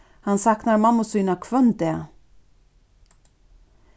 hann saknar mammu sína hvønn dag